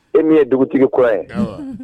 E min ye dugutigi kɔrɔ ye